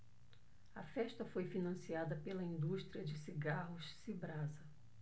a festa foi financiada pela indústria de cigarros cibrasa